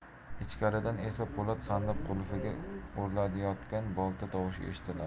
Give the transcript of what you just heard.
ichkaridan esa po'lat sandiq qulfiga urilayotgan bolta tovush eshitiladi